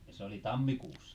ja se oli tammikuussa